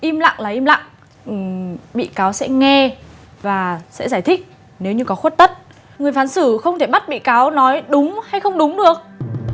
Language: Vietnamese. im lặng là im lặng ừ bị cáo sẽ nghe và sẽ giải thích nếu như có khuất tất người phán xử không thể bắt bị cáo nói đúng hay không đúng được